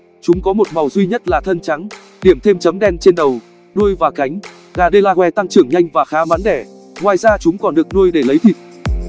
chúng có một màu duy nhất là thân trắng điểm thêm chấm đen trên đầu đuôi và cánh gà delaware tăng trưởng nhanh và khá mắn đẻ ngoài ra chúng còn được nuôi để lấy thịt